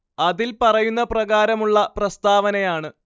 അതില്‍ പറയുന്ന പ്രകാരമുള്ള പ്രസ്താവനയാണ്